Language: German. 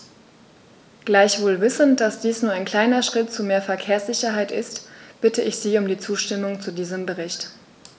Gleichwohl wissend, dass dies nur ein kleiner Schritt zu mehr Verkehrssicherheit ist, bitte ich Sie um die Zustimmung zu diesem Bericht.